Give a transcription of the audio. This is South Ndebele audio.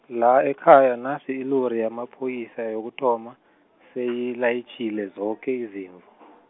la ekhaya nasi ilori yamapholisa yokuthoma, seyilayitjhile zoke izimvu .